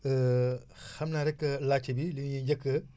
xam naa rekk laajte bi li ñuy njëkk a